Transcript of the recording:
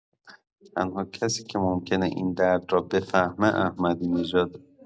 تنها کسی که ممکنه این درد را بفهمه احمدی‌نژاده.